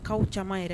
Kaw ca yɛrɛ